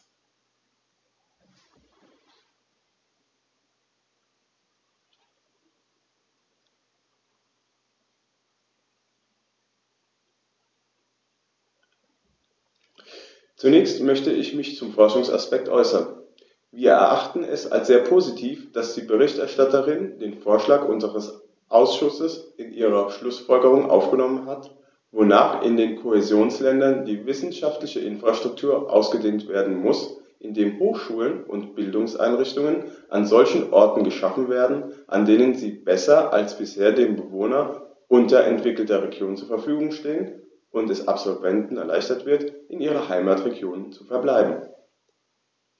Zunächst möchte ich mich zum Forschungsaspekt äußern. Wir erachten es als sehr positiv, dass die Berichterstatterin den Vorschlag unseres Ausschusses in ihre Schlußfolgerungen aufgenommen hat, wonach in den Kohäsionsländern die wissenschaftliche Infrastruktur ausgedehnt werden muss, indem Hochschulen und Bildungseinrichtungen an solchen Orten geschaffen werden, an denen sie besser als bisher den Bewohnern unterentwickelter Regionen zur Verfügung stehen, und es Absolventen erleichtert wird, in ihren Heimatregionen zu verbleiben.